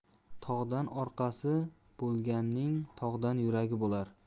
tog'dan orqasi bo'lganning tog'day yuragi bo'lar